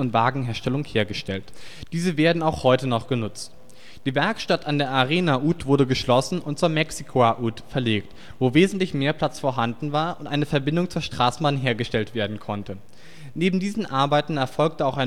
Wagenherstellung) hergestellt. Diese werden auch heute noch genutzt. Die Werkstatt an der Aréna út wurde geschlossen und zur Mexikói út verlegt, wo wesentlich mehr Platz vorhanden war und eine Verbindung zur Straßenbahn hergestellt werden konnte. Neben diesen Arbeiten erfolgte auch